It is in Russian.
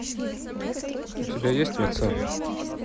у тебя есть ватсап